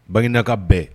Baginaka bɛn